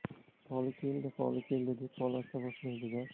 poli keldi poli keldi deb fol ocha boshlaydi da